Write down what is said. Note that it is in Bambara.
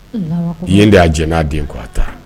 Ye de' jɛ n'a den ko a ta